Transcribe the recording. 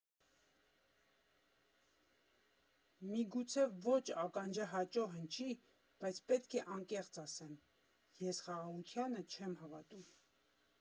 Միգուցե ոչ ականջահաճո հնչի, բայց պետք է անկեղծ ասեմ, ես խաղաղությանը չեմ հավատում։